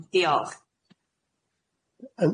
Oce diolch.